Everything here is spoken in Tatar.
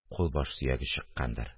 – кулбаш сөяге чыккандыр